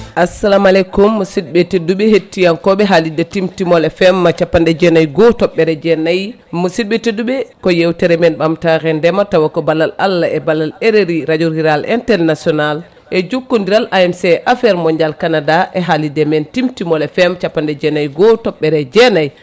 assalamu aleykum musidɓe tedduɓe hettiyankoɓe haalirde Timtimol FM capanɗe jeenayyi e goho toɓɓere jeenayyi musidɓe teddue ko yewtere men ɓamtare ndeema tawa ko ballal Allah e ballal RRI radio rural international e jokkodiral AMC affaire mondial Canada e haalirde men Timtimol FM capanɗe jeenayyi e goho toɓɓere jeenayi